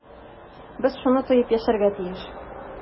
Без шуны тоеп яшәргә тиеш.